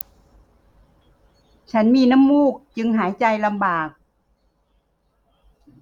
ฉันมีน้ำมูกจึงหายใจลำบาก